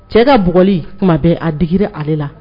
Cɛ ka bli tuma bɛ a digira ale la